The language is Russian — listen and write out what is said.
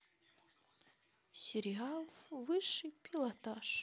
сериал высший пилотаж